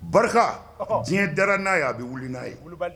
Barika diɲɛ dara n'a ye a bɛ wuli n'a ye